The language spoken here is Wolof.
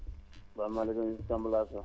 salaamaalikum *